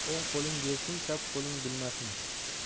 o'ng qo'ling bersin chap qo'ling bilmasin